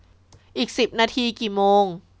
อีกสิบนาทีกี่โมง